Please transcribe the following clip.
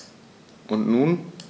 Und nun?